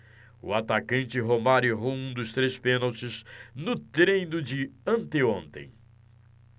o atacante romário errou um dos três pênaltis no treino de anteontem